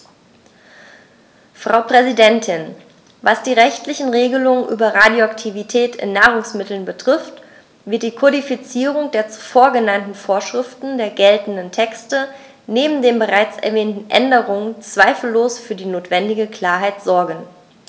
Frau Präsidentin, was die rechtlichen Regelungen über Radioaktivität in Nahrungsmitteln betrifft, wird die Kodifizierung der zuvor genannten Vorschriften der geltenden Texte neben den bereits erwähnten Änderungen zweifellos für die notwendige Klarheit sorgen.